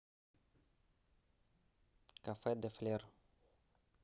кафе де флер